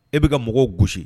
E bɛ ka mɔgɔw gosi